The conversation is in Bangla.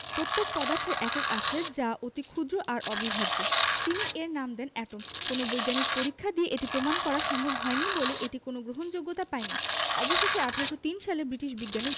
প্রত্যেক পদার্থের একক আছে যা অতি ক্ষুদ্র আর অবিভাজ্য তিনি এর নাম দেন এটম কোনো বৈজ্ঞানিক পরীক্ষা দিয়ে এটি প্রমাণ করা সম্ভব হয়নি বলে এটি কোনো গ্রহণযোগ্যতা পায়নি অবশেষে ১৮০৩ সালে ব্রিটিশ বিজ্ঞানী